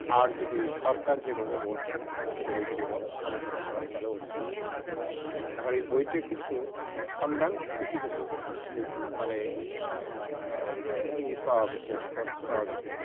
আর যদি সরকার যেভাবে বলছে সেটা যদি আলোচনা করা হয় তাহলে অন্য রকম হবে আবার এই বইটা কিন্তু খন্ডাংশ কিছু কিছু মানে এই পাওয়া গেছে এবস্ট্রাকটস পাওয়া গেছে